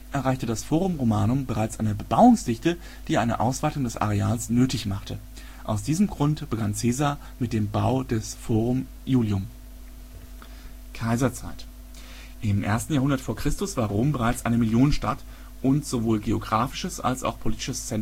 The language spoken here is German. erreichte das Forum Romanum bereits eine Bebauungsdichte, die eine Ausweitung des Areals nötig machte. Aus diesem Grund begann Caesar mit dem Bau des Forum Iulium. Kaiserzeit Maxentiusbasilika Im 1. Jahrhundert v. Chr. war Rom wohl bereits eine Millionenstadt und sowohl geographisches als auch politisches